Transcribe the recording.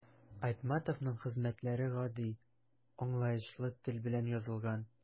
Айтматовның хезмәтләре гади, аңлаешлы тел белән язылган.